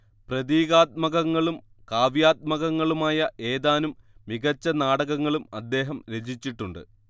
പ്രതീകാത്മകങ്ങളും കാവ്യാത്മകങ്ങളുമായ ഏതാനും മികച്ച നാടകങ്ങളും അദ്ദേഹം രചിച്ചിട്ടുണ്ട്